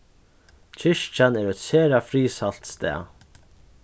kirkjan er eitt sera friðsælt stað